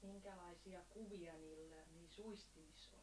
minkälaisia kuvia niillä niissä uistimissa oli